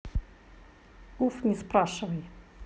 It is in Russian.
гуф не спрашивай